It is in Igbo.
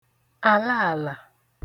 àlaàlà